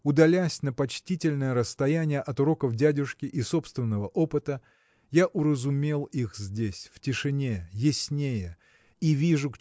Удалясь на почтительное расстояние от уроков дядюшки и собственного опыта я уразумел их здесь в тишине яснее и вижу